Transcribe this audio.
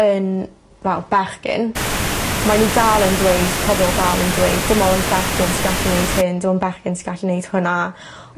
yn wel bechgyn mae n'w dal yn dweud pobol dal yn dweud dim ond bechgyn sy gallu neud hyn dim ond bechgyn sy gallu neud hwnna